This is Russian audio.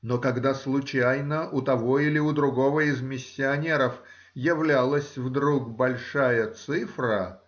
но когда случайно у того или у другого из миссионеров являлась вдруг большая цифра.